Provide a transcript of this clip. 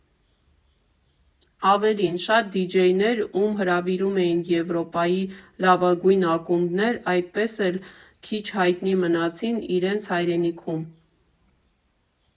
Ավելին, շատ դիջեյներ, ում հրավիրում էին Եվրոպայի լավագույն ակումբներ, այդպես էլ քիչ հայտնի մնացին իրենց հայրենիքում։